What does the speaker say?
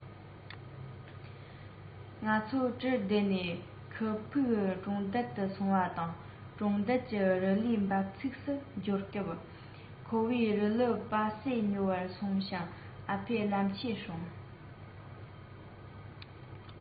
ང ཚོ གྲུར བསྡད ནས ཁུ ཕུག གྲོང རྡལ དུ སོང བ དང གྲོང རྡལ གྱི རི ལིའི འབབ ཚུགས སུ འབྱོར སྐབས ཁ བོས རི ལིའི སྤ སེ ཉོ བར སོང ཞིང ཨ ཕས ལམ ཆས བསྲུངས